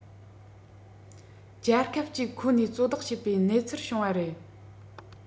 རྒྱལ ཁབ གཅིག ཁོ ནས གཙོ བདག བྱེད པའི གནས ཚུལ བྱུང བ རེད